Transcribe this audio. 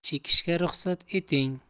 chekishga ruxsat eting